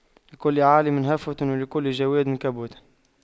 لكل عالِمٍ هفوة ولكل جَوَادٍ كبوة